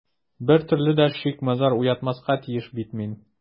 Бер төрле дә шик-мазар уятмаска тиеш бит мин...